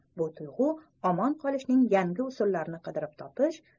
bu tuyg'u omon qolishning yangi usullarini qidirib topish